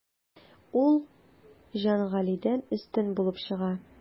Ул Җангалидән өстен булып чыга.